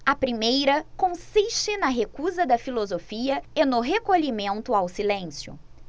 a primeira consiste na recusa da filosofia e no recolhimento ao silêncio